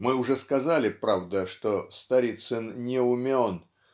Мы уже сказали, правда, что Сторицын не умен